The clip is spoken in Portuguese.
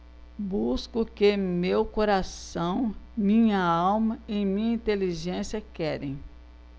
busco o que meu coração minha alma e minha inteligência querem